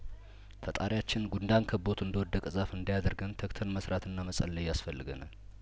ፈጣሪያችን ጉንዳን ከቦት እንደወደቀ ዛፍ እንዳ ያደርግን ተግተን መስራትና መጸለይያስ ፈለገናል